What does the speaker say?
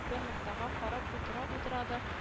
Бер ноктага карап утыра-утыра да